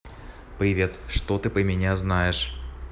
привет что ты про меня знаешь